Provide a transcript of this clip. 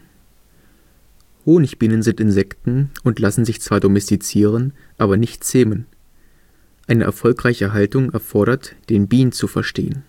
Honigbienen sind Insekten und lassen sich zwar domestizieren, aber nicht zähmen. Eine erfolgreiche Haltung erfordert, den Bien zu verstehen